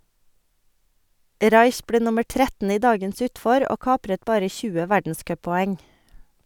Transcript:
Raich ble nummer 13 i dagens utfor, og kapret bare 20 verdenscuppoeng.